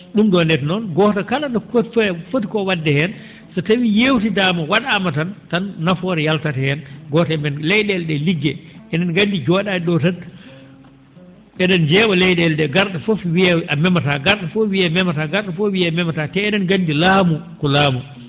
?um ?o ndeke noon gooto kala no no foti ko wa?de heen so tawii yeewtidaama wa?aama tan tan nafoore yaltat heen gooto e men ley?eele ?ee liggee enen nganndi joo?aade ?o tan e?en njee?a ley?eele ?ee gar?o fof wiyee a memataa gar?o fof wiyee memataa gar?o fof wiyee memataa te e?en nganndi laamu ko laamu